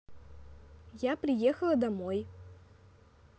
я приехала домой